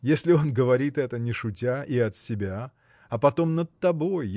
если он говорит это не шутя и от себя а потом над тобой